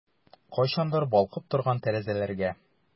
Кайчандыр балкып торган тәрәзәләргә...